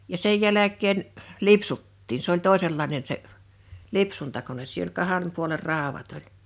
ja sen jälkeen lipsuttiin se oli toisenlainen se lipsuntakone siinä oli kahden puolen raudat oli